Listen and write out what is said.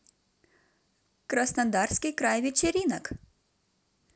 краснодарский край вечеринок